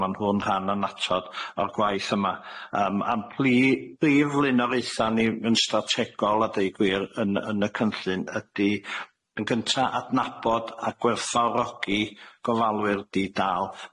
ma'n hwn rhan o'n atod o'r gwaith yma yym a'n pli brif flynoraetha ni yn strategol a deud gwir yn yn y cynllun ydi, yn gynta adnabod a gwerthfawrogi gofalwyr di-dal,